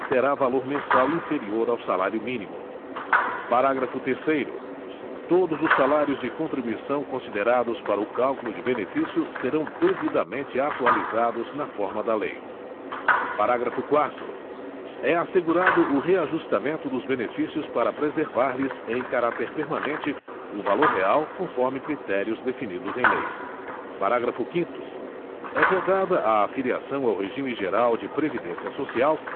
terá valor mensal inferior ao salário mínimo parágrafo terceiro todos os salários de contribuição considerados para o cálculo de benefício serão devidamente atualizados na forma da lei parágrafo quarto é assegurado o reajustamento dos benefícios para preservar lhes em caráter permanente o valor real conforme critérios definidos em lei parágrafo quinto é vedada a filiação ao regime geral de previdência social